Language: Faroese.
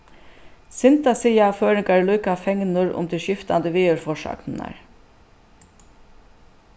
synd at siga at føroyingar eru líka fegnir um tær skiftandi veðurforsagnirnar